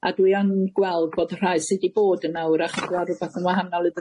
a dwi yn gweld bod y rhai sy 'di bod yna wrach yn gwel' rwbath yn wahanol iddy fi.